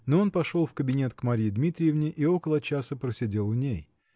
но он пошел в кабинет к Марье Дмитриевне и около часа просидел у ней.